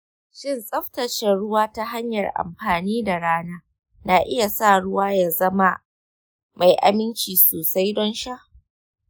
shin tsaftace ruwa ta hanyar amfani da rana na iya sa ruwa ya zama mai aminci sosai don sha?